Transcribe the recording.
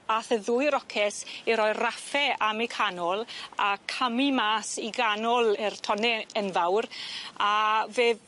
a'th y ddwy roces i roi raffe am eu canol a camu mas i ganol yr tonne enfawr a fe